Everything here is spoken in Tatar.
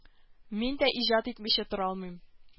Мин дә и ат итмичә тора алмыйм